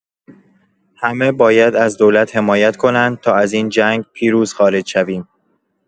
همه باید از دولت حمایت کنند تا از این جنگ پیروز خارج شویم.